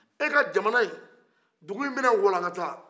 e ka jamana in dugu in bɛ na walangata